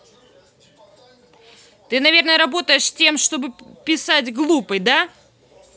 а ты наверное работаешь тем чтобы писать глупый да